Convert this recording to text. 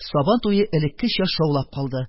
Сабан туе элеккечә шаулап калды,